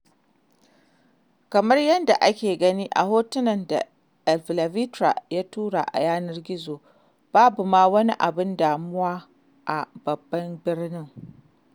Kamar yadda aka gani a hoton da avylavitra ya tura a yanar gizo, babu ma wani abun damuwa a babban birnin.